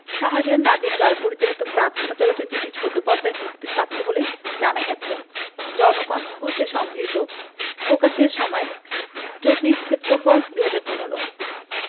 শাহরিয়ার নাজিম জয় পরিচালিত প্রার্থনা চলচ্চিত্রটি ছোট পর্দায় মুক্তি পাচ্ছে বলে জানা গেছে জনকণ্ঠ হতে সংগৃহীত প্রকাশের সময় ২৪ সেপ্টেম্বর ২০১৫